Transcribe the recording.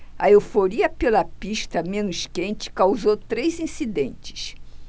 a euforia pela pista menos quente causou três incidentes